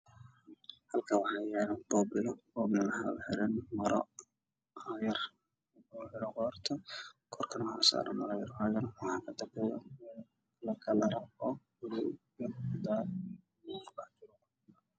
Jalkan waxaa yala bombilo bombilada waxaa u xiran maro yar ayaa u xiran korkana waxaa usaran maro yar kalarao madow cadan ah